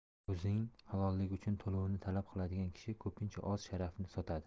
o'zining halolligi uchun to'lovni talab qiladigan kishi ko'pincha o'z sharafini sotadi